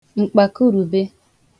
m̀kpàkurùbe